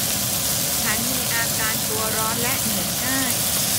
ฉันมีอาการตัวร้อนและเหนื่อยง่าย